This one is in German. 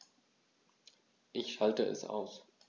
Ich schalte es aus.